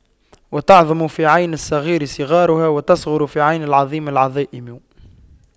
وتعظم في عين الصغير صغارها وتصغر في عين العظيم العظائم